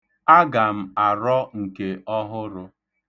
Aga m arọ nke ọhụrụ.